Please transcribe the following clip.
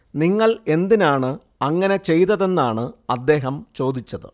നിങ്ങൾ എന്തിനാണ് അങ്ങനെ ചെയ്തതെന്നാണ് അദ്ദേഹം ചോദിച്ചത്